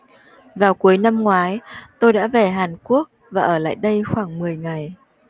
vào cuối năm ngoái tôi đã về hàn quốc và ở lại đây khoảng mười ngày